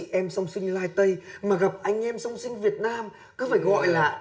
chị em song sinh lai tây mà gặp anh em song sinh việt nam cứ phải gọi là